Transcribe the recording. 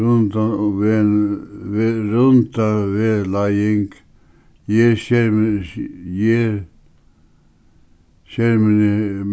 rundan um runda vegleiðing ger skermin ger skermin